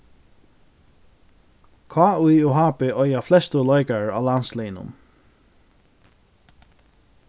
kí og hb eiga flestu leikarar á landsliðnum